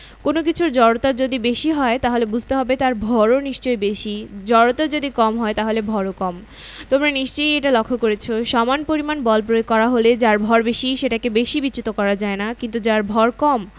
যদি সত্যি সত্যি সব বল বন্ধ করে দেওয়া যেত তাহলে আমরা সত্যিই দেখতে পেতাম সমবেগে চলতে থাকা একটা বস্তু অনন্তকাল ধরে চলছে